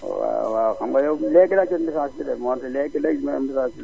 waawaaw xam nga léegi laa jot message bi de monte léegi jot naa message bi